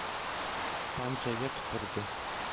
tanchaga tupurdi